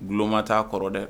Guloma t'a kɔrɔ dɛ.